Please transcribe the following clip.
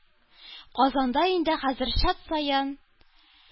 Казанда инде хәзер чат саен